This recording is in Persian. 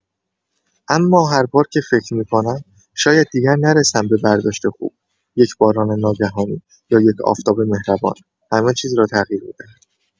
اما هر بار که فکر می‌کنم شاید دیگر نرسم به برداشت خوب، یک باران ناگهانی یا یک آفتاب مهربان همه چیز را تغییر می‌دهد.